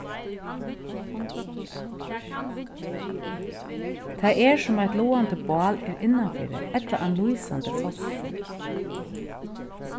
tað er sum eitt logandi bál er innanfyri ella ein lýsandi fossur